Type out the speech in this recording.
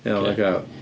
Iawn, ocê.